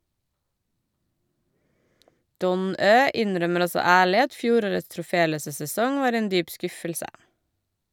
Don Ø innrømmer også ærlig at fjorårets troféløse sesong var en dyp skuffelse.